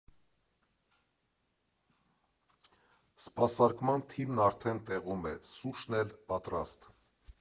Սպասարկման թիմն արդեն տեղում է, սուրճն էլ՝ պատրաստ։